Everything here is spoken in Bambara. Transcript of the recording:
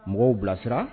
Mɔgɔw bilasira